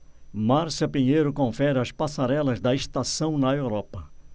márcia pinheiro confere as passarelas da estação na europa